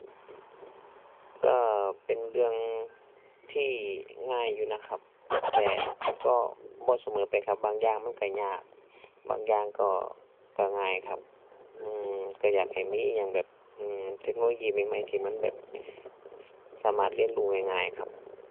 ก็ เป็นเรื่องที่ง่ายอยู่นะครับ แต่ก็บ่เสมอไปครับบางอย่างมันก็ยาก บางอย่างก็ ก็ง่ายครับ อือ ก็อยากให้มีอิหยังแบบ อือ เทคโนโลยีใหม่ใหม่ที่มันแบบ สามารถเรียนรู้ง่ายง่ายครับ